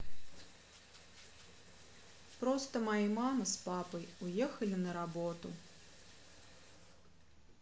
просто мои мама с папой уехали на работу